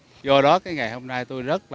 do đó cái ngày hôm nay tôi rất